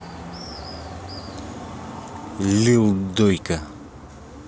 lil дойка